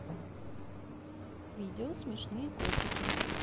видео смешные котики